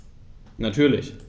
Natürlich.